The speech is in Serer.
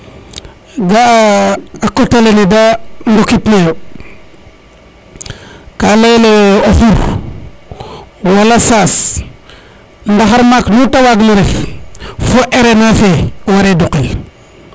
ga a o kota lene de ndokit nayo ka leyele o xur wala saas ndaxar maak nu te waag na ref fo RNA fe ware duqel